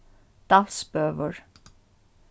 dalsbøur